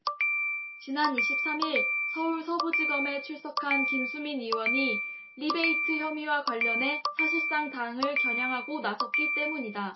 지난 이십 삼 일 서울서부지검에 출석한 김수민 의원이 리베이트 혐의와 관련해 사실상 당을 겨냥하고 나섰기 때문이다